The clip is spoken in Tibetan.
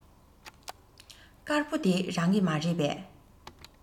དཀར པོ འདི རང གི མ རེད པས